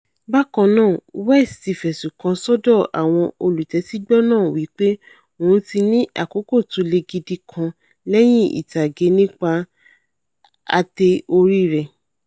Bákannáà, West ti fẹ̀sùn kan sọ́dọ̀ àwọn olùtẹ́tígbọ́ náà wí pé òun ti ní àkókò tóle gidi kan lẹ́yìn ìtàgé nípa ate-ori rẹ̀.